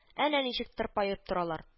Әнә ничек тырпаеп торалар